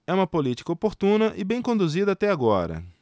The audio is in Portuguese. é uma política oportuna e bem conduzida até agora